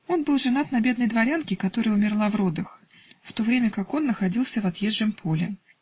Он был женат на бедной дворянке, которая умерла в родах, в то время как он находился в отъезжем поле.